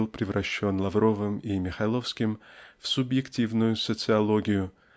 был превращен Лавровым и Михайловским в "субъективную социологию"